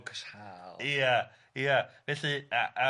Ia ia felly yy yym...